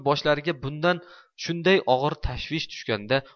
boshlariga shunday og'ir tashvish tushganda